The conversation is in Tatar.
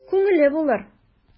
Күңеле булыр...